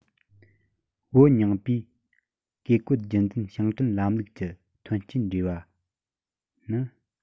བོད རྙིང པའི བཀས བཀོད རྒྱུད འཛིན ཞིང བྲན ལམ ལུགས ཀྱི ཐོན སྐྱེད འབྲེལ བ ནི